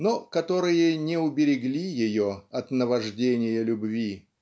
но которые не уберегли ее от навождения любви.